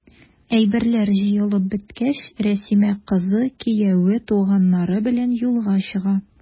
Әйберләр җыелып беткәч, Рәсимә, кызы, кияве, туганнары белән юлга чыга.